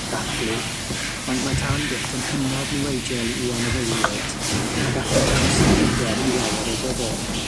ddathlu, ond mae tan gwyllt yn hynod niweidiol i anifeilied a gallent achosi pryder i lawer o bobol.